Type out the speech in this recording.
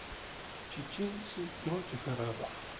чеченцы против арабов